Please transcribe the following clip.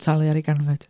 Talu ar ei ganfed.